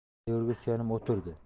devorga suyanib o'tirdi